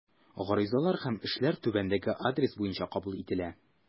Гаризалар һәм эшләр түбәндәге адрес буенча кабул ителә.